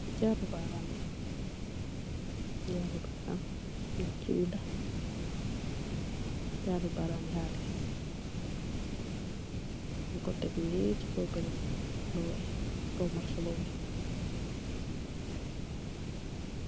jarou barani halis la.